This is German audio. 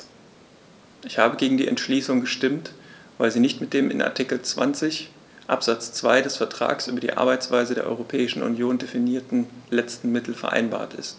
Ich habe gegen die Entschließung gestimmt, weil sie nicht mit dem in Artikel 20 Absatz 2 des Vertrags über die Arbeitsweise der Europäischen Union definierten letzten Mittel vereinbar ist.